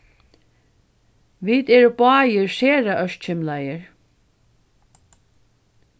vit eru báðir sera ørkymlaðir